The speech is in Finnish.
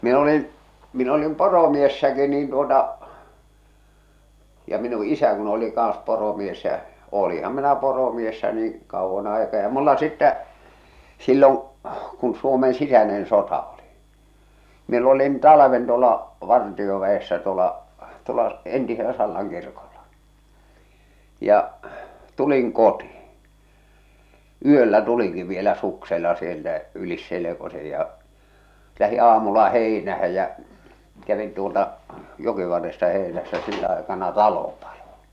minä olin minä olin poromiehenäkin niin tuota ja minun isä kun oli kanssa poromies ja olinhan minä poromiehenä niin kauan aikaa ja minulla sitten silloin kun Suomen sisäinen sota oli minä olin talven tuolla vartioväessä tuolla tuolla entisellä Sallan kirkolla ja tulin kotiin yöllä tulinkin vielä suksella sieltä yli selkosen ja lähdin aamulla heinään ja kävin tuolta jokivarresta heinässä sillä aikana talo paloi